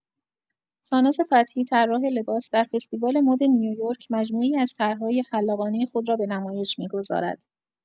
ساناز فتحی، طراح لباس، در فستیوال مد نیویورک مجموعه‌ای از طرح‌های خلاقانه خود را به نمایش می‌گذارد.